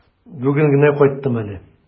Бүген генә кайттым әле.